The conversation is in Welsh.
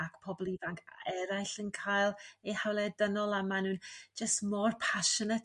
ac pobl ifanc eraill yn cael eu hawliau dynol a mae n'w jyst mor passionate